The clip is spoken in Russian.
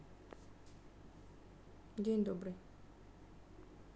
день добрый